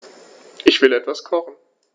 Ich will etwas kochen.